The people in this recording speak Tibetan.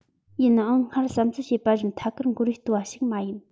ཡིན ནའང སྔར བསམ ཚོད བྱས པ བཞིན དུ ཐད ཀར མགོ རུས བརྟོལ བ ཞིག མ ཡིན